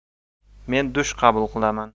men dush qabul qilaman